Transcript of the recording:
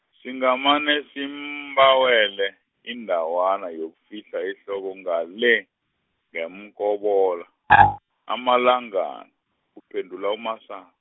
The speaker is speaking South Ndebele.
singamane simbawele, indawana yokufihla ihloko ngale, ngeMkobola , amalangana, kuphendula uMasa-.